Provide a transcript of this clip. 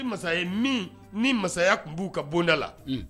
Ni masa ye min ni masaya kun b'u ka bonda la unhun